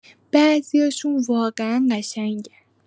بعضیاشون واقعا قشنگن.